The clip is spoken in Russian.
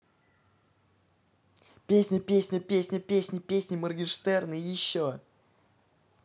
песня песня песня песня песни моргенштерна и еще